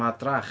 Madrach.